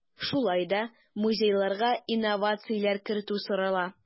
Шулай да музейларга инновацияләр кертү сорала.